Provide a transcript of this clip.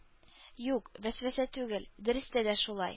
Юк, вәсвәсә түгел, дөрестә дә шулай.